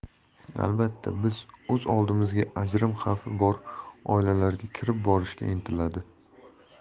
albatta biz o'z oldimizga ajrim xavfi bor oilalarga kirib borishga intiladi